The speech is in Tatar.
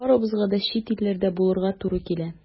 Барыбызга да чит илләрдә булырга туры килә.